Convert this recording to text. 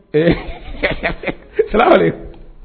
Ɛɛ salamalek